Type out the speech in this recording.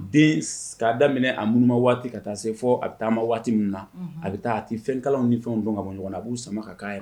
Den, k'a daminɛ a ŋunuma waati, ka taa se fɔ a bɛ taama waati minnu na; Unhun ;A bɛ taa a tɛ fɛn kalama ni fɛnw dɔn ka bɔ ɲɔgɔn na, a b'u sama ka k'a yɛrɛ